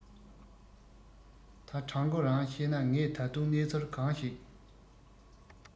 ད དྲང གོ རང གཤས ན ངས ད དུང གནས ཚུལ གང ཞིག